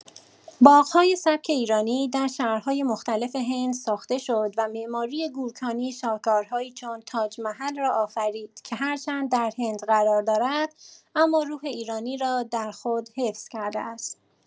باغ‌های سبک ایرانی در شهرهای مختلف هند ساخته شد و معماری گورکانی شاهکارهایی چون تاج‌محل را آفرید که هرچند در هند قرار دارد، اما روح ایرانی را در خود حفظ کرده است.